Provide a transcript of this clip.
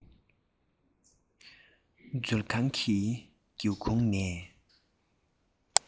མཛོད ཁང གི སྒེའུ ཁུང ནས